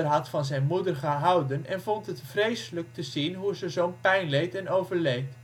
had van zijn moeder gehouden en vond het vreselijk te zien hoe zij zo 'n pijn leed en overleed.